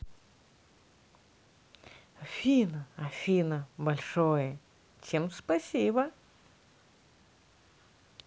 афина афина большое чем спасибо